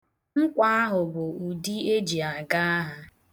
Nkwa ahụ bụ ụdị e ji aga agha.